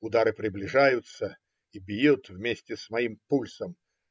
Удары приближаются и бьют вместе с моим пульсом.